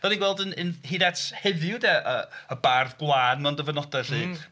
Dan ni'n gweld yn yn... hyd at heddiw de y y bardd gwlad mewn dyfynodau 'lly... m-hm.